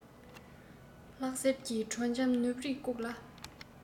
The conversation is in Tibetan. ལྷག ཟེར གྱི དྲོད འཇམ ནུབ རིས བཀུག ལ